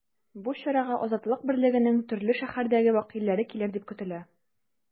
Бу чарага “Азатлык” берлегенең төрле шәһәрдәге вәкилләре килер дип көтелә.